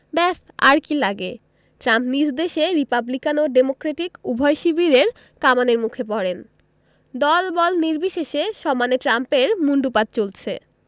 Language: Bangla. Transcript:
ব্যস আর কী লাগে ট্রাম্প নিজ দেশে রিপাবলিকান ও ডেমোক্রেটিক উভয় শিবিরের কামানের মুখে পড়েন দলবল নির্বিশেষে সমানে ট্রাম্পের মুণ্ডুপাত চলছে